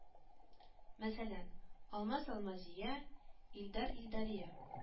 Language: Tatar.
Мәсәлән: Алмаз Алмазия, Илдар Илдария